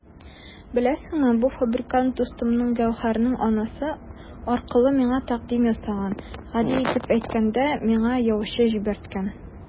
Беләсеңме, бу фабрикант дустым Гәүһәрнең анасы аркылы миңа тәкъдим ясаган, гади итеп әйткәндә, миңа яучы җибәрткән!